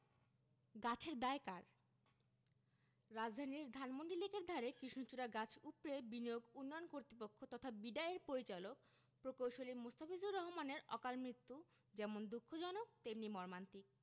গাছের দায় কার রাজধানীর ধানমন্ডি লেকের ধারে কৃষ্ণচূড়া গাছ উপড়ে বিনিয়োগ উন্নয়ন কর্তৃপক্ষ বিডা এর পরিচালক প্রকৌশলী মোস্তাফিজুর রহমানের অকালমৃত্যু যেমন দুঃখজনক তেমনি মর্মান্তিক